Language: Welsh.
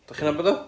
Dach chi'n nabod o?